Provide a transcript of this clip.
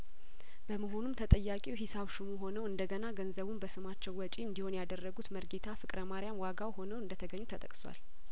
በመሆኑም ተጠያቂው ሂሳብ ሹም ሆነው እንደገና ገንዘቡን በስማቸው ወጪ እንዲሆን ያደረጉት መሪጌታ ፍቅረ ማርያም ዋጋው ሆነው እንደተገኙ ተጠቅሷል